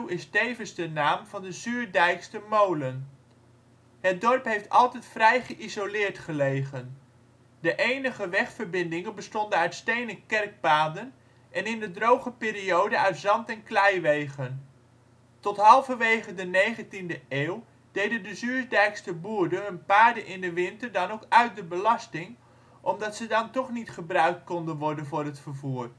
is tevens de naam van de Zuurdijkster molen. Het dorp heeft altijd vrij geïsoleerd gelegen. De enige wegverbindingen bestonden uit stenen kerkpaden en in de droge perioden uit zand - en kleiwegen. Tot halverwege de 19e eeuw deden de Zuurdijksterboeren hun paarden in de winter dan ook uit de belasting, omdat ze dan toch niet gebruikt konden worden voor het vervoer